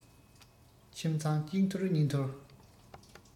ཁྱིམ ཚང གཅིག འཐོར གཉིས འཐོར